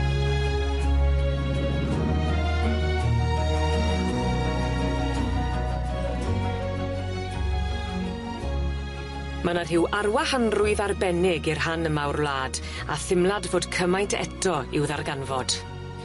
Ma' 'ny rhyw arwahanrwydd arbennig i'r rhan yma o'r wlad a thimlad fod cymaint eto i'w ddarganfod.